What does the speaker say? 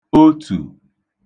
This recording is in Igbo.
otù